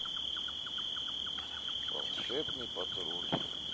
волшебный патруль